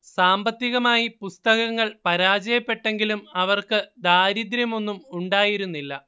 സാമ്പത്തികമായി പുസ്തകങ്ങൾ പരാജയപ്പെട്ടെങ്കിലും അവർക്ക് ദാരിദ്ര്യമൊന്നും ഉണ്ടായിരുന്നില്ല